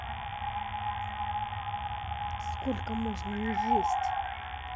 сколько можно не есть